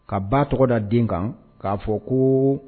Ka ba tɔgɔ da den kan k'a fɔ ko